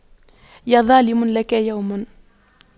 يا ظالم لك يوم